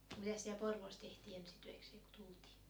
mitäs siellä Porvoossa tehtiin ensi töikseen kun tultiin